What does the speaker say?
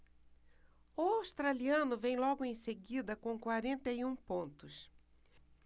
o australiano vem logo em seguida com quarenta e um pontos